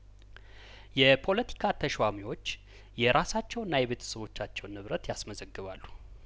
የፖለቲካ ተሿሚዎች የራሳቸውና የቤተሰባቸውን ንብረት ያስመዘግባሉ